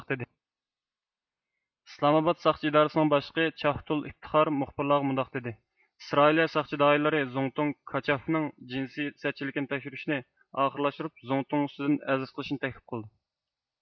ئىسلامئاباد ساقچى ئىدارىسىنىڭ باشلىقى چاھدۇل ئىفتىخار مۇخبىرلارغا مۇنداق دېدى ئىسرائىلىيە ساقچى دائىرىلىرى زۇڭتۇڭ كاچافنىڭ جىنسىي سەتچىلىكىنى تەكشۈرۈشنى ئاخىرلاشتۇرۇپ زۇڭتۇڭ ئۈستىدىن ئەرز قىلىشنى تەكلىپ قىلدۇ